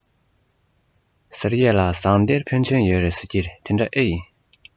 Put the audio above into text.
ཟེར ཡས ལ ཟངས གཏེར འཕོན ཆེན ཡོད རེད ཟེར གྱིས དེ འདྲ ཨེ ཡིན